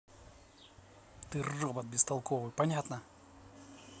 ты робот бестолковый понятно